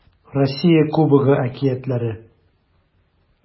Россия Кубогы әкиятләре